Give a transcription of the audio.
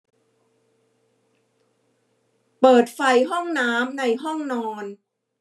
เปิดไฟห้องน้ำในห้องนอน